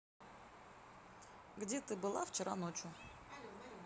где ты была вчера ночью